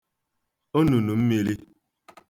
onùnù mmīlī